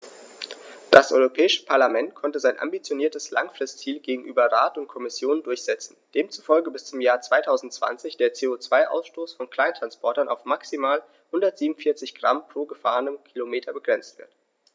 Das Europäische Parlament konnte sein ambitioniertes Langfristziel gegenüber Rat und Kommission durchsetzen, demzufolge bis zum Jahr 2020 der CO2-Ausstoß von Kleinsttransportern auf maximal 147 Gramm pro gefahrenem Kilometer begrenzt wird.